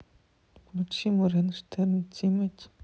включи моргенштерн тимати